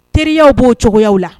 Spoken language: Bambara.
Teriyaw b'o cogoya la